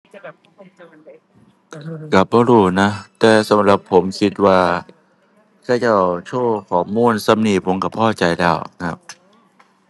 ก็บ่รู้นะ แต่สำหรับผมคิดว่าเขาเจ้าโชว์ข้อมูลส่ำนี้ ผมก็พอใจแล้วนะครับ